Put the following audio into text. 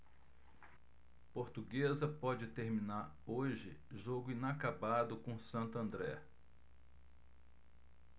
portuguesa pode terminar hoje jogo inacabado com o santo andré